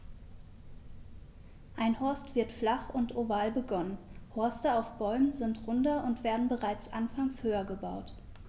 Ein Horst wird flach und oval begonnen, Horste auf Bäumen sind runder und werden bereits anfangs höher gebaut.